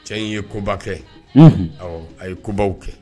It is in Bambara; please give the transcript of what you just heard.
Cɛ in ye koba kɛ a ye kobaw kɛ